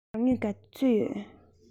ཁྱེད རང ལ དངུལ ག ཚོད ཡོད